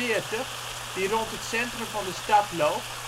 R40, die rond het centrum van de stad loopt